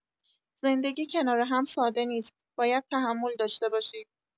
زندگی کنار هم ساده نیست، باید تحمل داشته باشی.